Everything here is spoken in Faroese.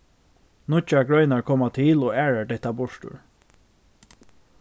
nýggjar greinar koma til og aðrar detta burtur